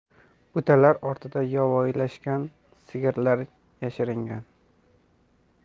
butalar ortiga yovvoyilashgan sigirlar yashiringan